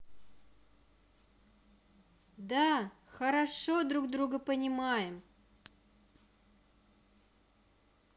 да хорошо друг друга понимаем